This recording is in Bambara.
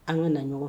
An ka na ɲɔgɔn